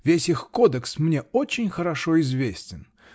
Весь их кодекс мне очень хорошо известен.